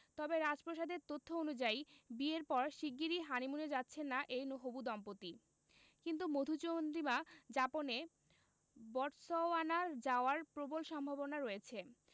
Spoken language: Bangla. তবে রাজপ্রাসাদের তথ্য অনুযায়ী বিয়ের পর শিগগিরই হানিমুনে যাচ্ছেন না এই হবু দম্পতি কিন্তু মধুচন্দ্রিমা যাপনে বটসওয়ানা যাওয়ার প্রবল সম্ভাবনা রয়েছে